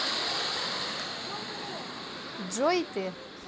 джой ты